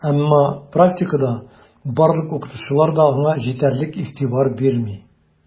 Әмма практикада барлык укытучылар да аңа җитәрлек игътибар бирми: